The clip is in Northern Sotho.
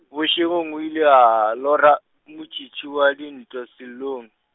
bošegong o ile a lora, motšhitšhi wa dintlhwa seolong.